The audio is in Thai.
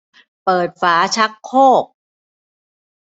เปิดฝาชักโครก